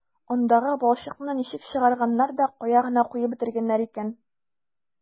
Андагы балчыкны ничек чыгарганнар да кая гына куеп бетергәннәр икән...